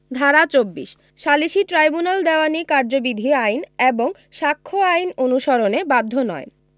ধারা ২৪ সালিসী ট্রাইব্যুনাল দেওয়ানী কার্যবিধি আইন এবং সাক্ষ্য আইন অনুসরণে বাধ্য নয়